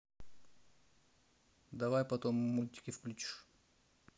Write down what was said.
давай потом мультики включишь